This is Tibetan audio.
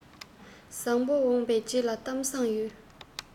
བཟང པོ འོངས པའི རྗེས ལ གཏམ བཟང ཡོད